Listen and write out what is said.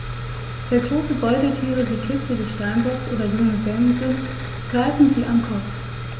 Sehr große Beutetiere wie Kitze des Steinbocks oder junge Gämsen greifen sie am Kopf.